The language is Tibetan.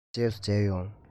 རྗེས སུ མཇལ ཡོང